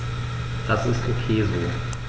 Das ist ok so.